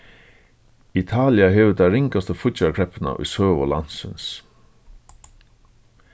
italia hevur ta ringastu fíggjarkreppuna í søgu landsins